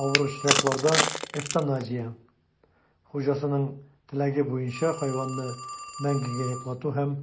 Авыр очракларда эвтаназия (хуҗасының теләге буенча хайванны мәңгегә йоклату һәм